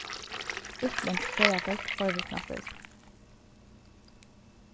útlendsk ferðafólk forvitnast eisini